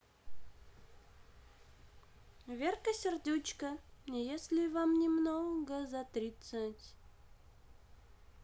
верка сердючка если вам немного за тридцать